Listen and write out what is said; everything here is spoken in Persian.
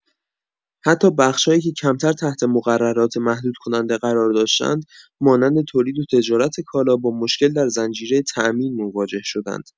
حتی بخش‌هایی که کمتر تحت مقررات محدودکننده قرار داشتند، مانند تولید و تجارت کالا، با مشکل در زنجیره تأمین مواجه شدند.